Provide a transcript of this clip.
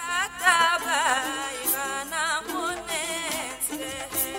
Saba kɛ ma mɔ tɛ diɲɛ